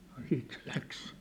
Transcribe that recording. no sitten se lähti